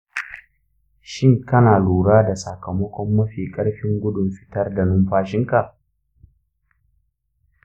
shin kana lura da sakamakon mafi ƙarfin gudun fitar da numfashinka?